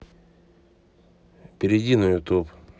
перейди на ютуб